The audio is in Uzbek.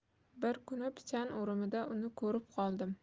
bir kuni pichan o'rimida uni ko'rib qoldim